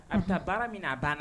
A bɛ taa baara min a banna